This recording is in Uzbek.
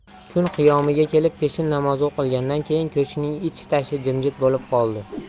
kun qiyomiga kelib peshin namozi o'qilgandan keyin ko'shkning ich tashi jimjit bo'lib qoldi